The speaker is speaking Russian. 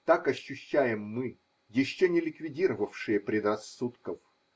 – Так ощущаем мы, еще не ликвидировавшие предрассудков.